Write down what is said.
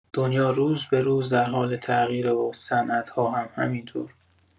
دنیا روز به‌روز در حال تغییره و صنعت‌ها هم همینطور.